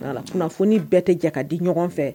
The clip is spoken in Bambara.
Fo ni bɛɛ tɛ ja ka di ɲɔgɔn fɛ